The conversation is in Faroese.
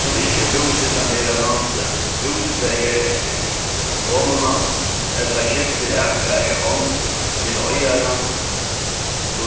sum ikki er búsitandi her á landi bústað her eftir komuna ella skiftir akfarið hond til eigara